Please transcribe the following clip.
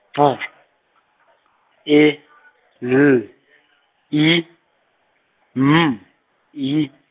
B , E, L, I, M, I.